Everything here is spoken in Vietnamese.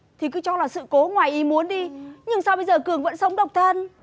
thì cứ cho là sự cố ngoài ý muốn đi nhưng sao bây giờ cường vẫn sống độc thân